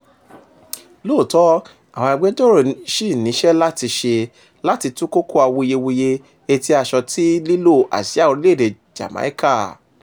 Lóòótọ́, àwọn agbẹjọ́rò ṣì níṣẹ́ láti ṣe láti tú kókó awuyewuye etí aṣọ ti lílo àsíá orílẹ̀ èdèe Jamaica.